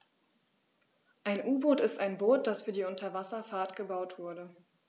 Ein U-Boot ist ein Boot, das für die Unterwasserfahrt gebaut wurde.